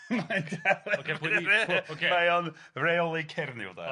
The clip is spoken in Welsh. Mae o'n reoli Ceirnyw 'de.